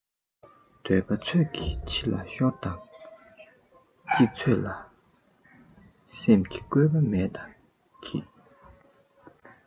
འདོད པ ཚོད ཀྱི ཕྱི ལ ཤོར དང གཅིག ཚོད ལ སེམས ཀྱི བཀོད པ མེད དང གཉིས